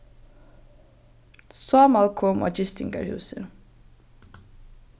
sámal kom á gistingarhúsið